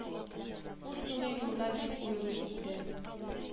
Ул сине юлда дип уйлый иде